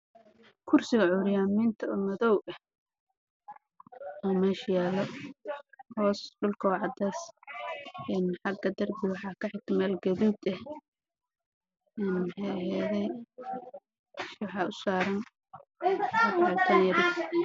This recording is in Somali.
Waa kursi midabkiisu yahay madow